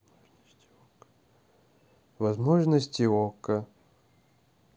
возможности окко